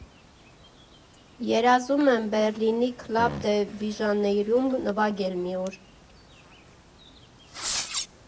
Երազում եմ Բեռլինի Քլաբ դե Վիժանեյրում նվագել մի օր։